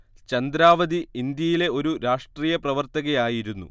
ചന്ദ്രാവതിഇന്ത്യയിലെ ഒരു രാഷ്ട്രീയ പ്രവർത്തകയായിരുന്നു